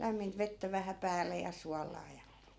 lämmintä vettä vähän päälle ja suolaa ja